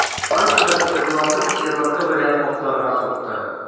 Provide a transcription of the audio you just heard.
Кайсыдыр чыжлатып чыбыркы белән атларга сукты.